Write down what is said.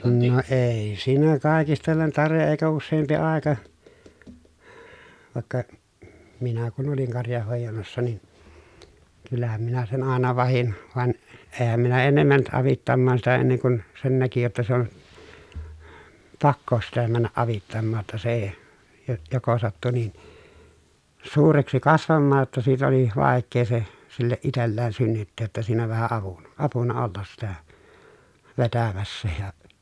no ei siinä kaikistellen tarvitse eikä useampi aika vaikka minä kun olin karjanhoidannassa niin kyllähän minä sen aina vahdin vaan enhän minä ennen mennyt avittamaan sitä ennen kuin sen näki jotta se on pakko jo sitä mennä avittamaan jotta se - jo joko sattui niin suureksi kasvamaan jotta siitä oli vaikea se sille itselleen synnyttää jotta siinä vähän avun apuna olla sitä vetämässä ja